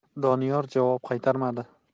doniyor javob qaytarmadi